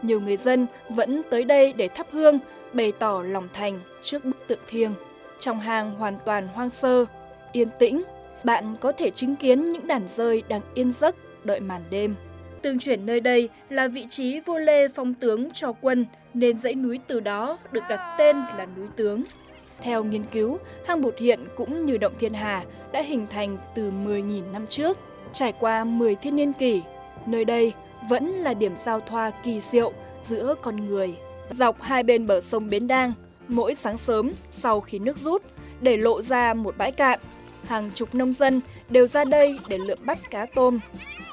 nhiều người dân vẫn tới đây để thắp hương bày tỏ lòng thành trước bức tượng thiêng trong hàng hoàn toàn hoang sơ yên tĩnh bạn có thể chứng kiến những đàn dơi đang yên giấc đợi màn đêm tương truyền nơi đây là vị trí vua lê phong tướng cho quân nên dãy núi từ đó được đặt tên là núi tướng theo nghiên cứu hang bụt hiện cũng như động thiên hà đã hình thành từ mười nghìn năm trước trải qua mười thiên niên kỷ nơi đây vẫn là điểm giao thoa kỳ diệu giữa con người dọc hai bên bờ sông bến đang mỗi sáng sớm sau khi nước rút để lộ ra một bãi cạn hàng chục nông dân đều ra đây để lượm bắt cá tôm